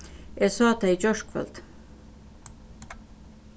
eg sá tey í gjárkvøldið